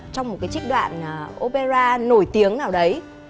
trong một cái trích đoạn ô bê ra nổi tiếng nào đấy